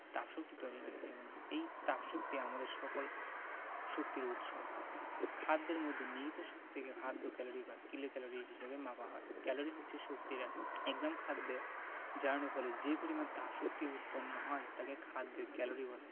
তাপশক্তি তৈরি করে এবং এই তাপশক্তি আমাদের সকল শক্তির উৎস খাদ্যের মধ্যে নিহিত শক্তিকে খাদ্য ক্যালরি বা কিলোক্যালরি হিসেবে মাপা হয় ক্যালরি হচ্ছে শক্তির একক এক গ্রাম খাদ্য জারণের ফলে যে পরিমাণ তাপশক্তি উৎপন্ন হয় তাকে খাদ্যের ক্যালরি বলে